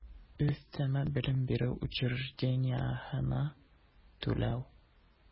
Өстәмә белем бирү учреждениесенә түләү